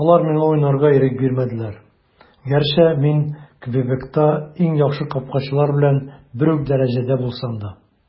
Алар миңа уйнарга ирек бирмәделәр, гәрчә мин Квебекта иң яхшы капкачылар белән бер үк дәрәҗәдә булсам да.